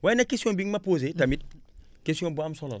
waaye nag question bi nga ma posé tamit question bu am solo la